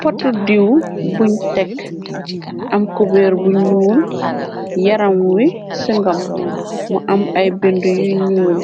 Potu diiw buñ tekk am kubeer bu ñuul yaram wi singom mu am ay bind yu ñuul